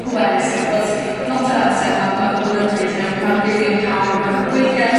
pwerus ydi achos, lot o'r amser ma' ma' pobol yn dweud you know ma'n rili empowering a fe- weithie...